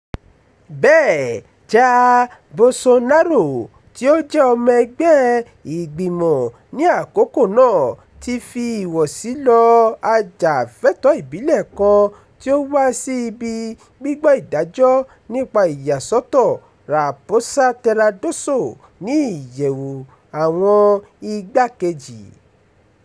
Bẹ́ẹ̀, Jair Bolsonaro tí ó jẹ́ ọmọ ẹgbẹ́ ìgbìmọ̀ ní àkókò náà ti fi ìwọ̀sí lọ ajàfẹ́tọ̀ọ́ ìbílẹ̀ kan tí ó wá sí ibi gbígbọ́ ìdájọ́ nípa ìyàsọ́tọ̀ Raposa Terra do Sol ní ìyẹ̀wù àwọn igbá-kejì.